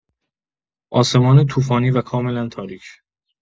آسمان طوفانی و کاملا تاریک